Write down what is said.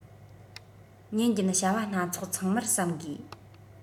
ཉིན རྒྱུན བྱ བ སྣ ཚོགས ཚང མར བསམ དགོས